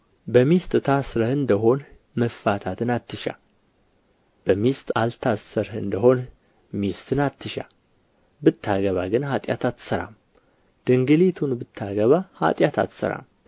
በሚስት ታስረህ እንደ ሆንህ መፋታትን አትሻ በሚስት አልታሰርህ እንደ ሆንህ ሚስትን አትሻ ብታገባ ግን ኃጢአት አትሠራም ድንግሊቱም ብታገባ ኃጢአት አትሠራም